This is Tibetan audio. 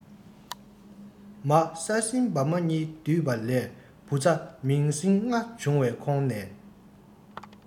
མ ས སྲིན འབར མ གཉིས འདུས པ ལས བུ ཚ མིང སྲིང ལྔ བྱུང བའི ཁོངས ནས